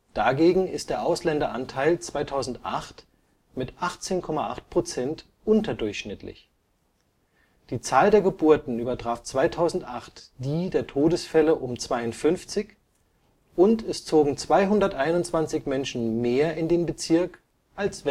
Dagegen ist der Ausländeranteil 2008 mit 18,8 % unterdurchschnittlich. Die Zahl der Geburten übertraf 2008 die der Todesfälle um 52, und es zogen 221 Menschen mehr in den Bezirk als